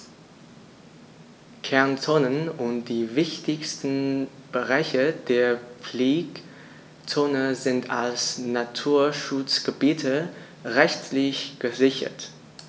Kernzonen und die wichtigsten Bereiche der Pflegezone sind als Naturschutzgebiete rechtlich gesichert.